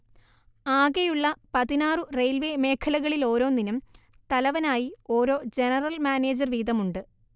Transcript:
ആകെയുള്ള പതിനാറു റെയിൽവേ മേഖലകളിലോരോന്നിനും തലവനായി ഓരോ ജനറൽ മാനേജർ വീതമുണ്ട്